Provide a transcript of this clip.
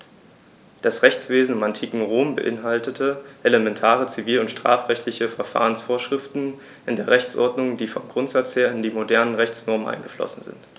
Das Rechtswesen im antiken Rom beinhaltete elementare zivil- und strafrechtliche Verfahrensvorschriften in der Rechtsordnung, die vom Grundsatz her in die modernen Rechtsnormen eingeflossen sind.